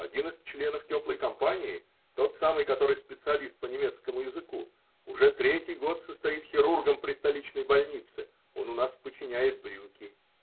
Один из членов теплой компании -- тот самый, который специалист по немецкому языку -- уже третий год состоит хирургом при столичной больнице: он у нас починяет брюки.